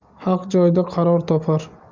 haq joyda qaror topar